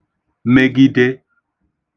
megide